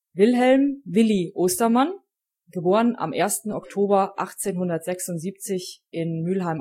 Wilhelm „ Willi “Ostermann (* 1. Oktober 1876 in